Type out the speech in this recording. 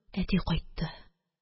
Әти кайтты